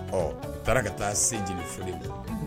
Ɔ u taara ka taa se jfi don